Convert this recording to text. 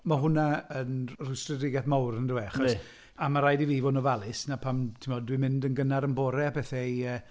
Ma' hwnna yn rwystredigaeth mowr yndyw e... yndy... achos... a ma' raid i fi fod yn ofalus 'na pam ti 'mod dwi'n mynd yn gynnar yn bore a pethe i yy...